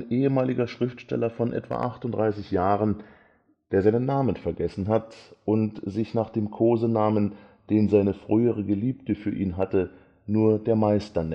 ehemaliger Schriftsteller von etwa 38 Jahren, der seinen Namen vergessen hat und sich nach dem Kosenamen, den seine frühere Geliebte für ihn hatte, nur der „ Meister